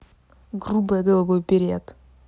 грубая голубой берет